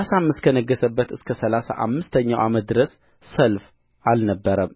አሳም እስከ ነገሠበት እስከ ሠላሳ አምስተኛው ዓመት ድረስ ሰልፍ አልነበረም